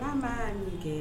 An ma'a ni kɛ